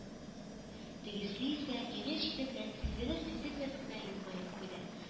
Тегесе исә ирен чите белән сизелер-сизелмәс кенә елмаеп куйды